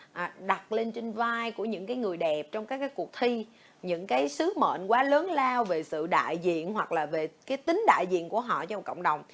đặt đặt lên trên vai của những người đẹp trong các cuộc thi những cái sứ mệnh quá lớn lao vì sự đại diện hoặc là về cái tính đại diện của họ trong cộng đồng